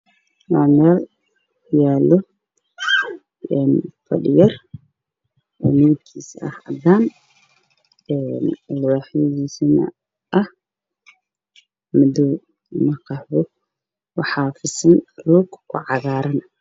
Waa meel farxad ah waxaa yaalo fadhi iyo labo kuraas midabkoodu yahay caddaan dhulka waa roga cagaar ah